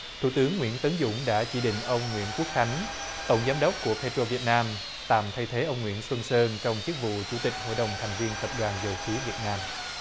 thủ tướng nguyễn tấn dũng đã chỉ định ông nguyễn quốc khánh tổng giám đốc của pê trô việt nam tạm thay thế ông nguyễn xuân sơn trong chức vụ chủ tịch hội đồng thành viên tập đoàn dầu khí việt nam